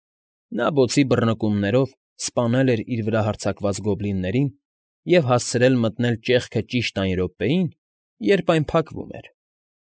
Նա բոցի բռնկումներով սպանել էր իր վրա հարձակված գոբլիններին և հասրցել մտնել ճեղքը ճիշտ այն րոպեին, երբ այն փակվում էր։